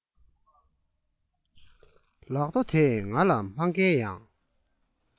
ལག རྡོ དེས ང ལ མ ཁེལ ཡང